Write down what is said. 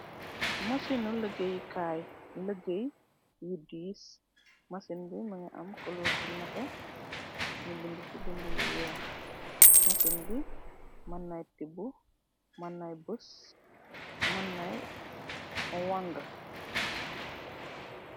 Mësinu lëggéeyu kaay lëggéey yu diis masin bi mëngi am koloor bu nate ni bind ci bindiy weex masin bi mënnay tibbu mënnay bës mënnay wang.